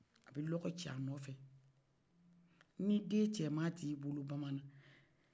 a bɛ lɔgɔ ci a nɔfɛ ni den cɛma t'i bolo bamanan